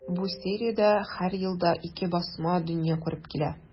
Бу сериядә һәр елда ике басма дөнья күреп килә.